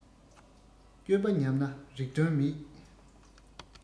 སྤྱོད པ ཉམས ན རིགས དོན མེད